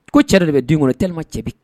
Ko cɛ de bɛ den kɔnɔ t ma cɛ